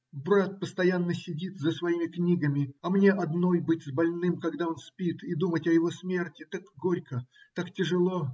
Брат постоянно сидит за своими книгами, а мне одной быть с больным, когда он спит, и думать о его смерти так горько, так тяжело!